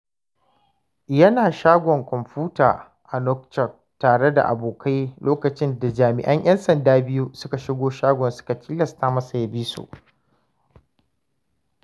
Yana shagon kwamfuta a Nouakchott tare da abokai lokacin da jami'an 'yan sanda biyu suka shigo shagon, suka tilasta masa ya bi su.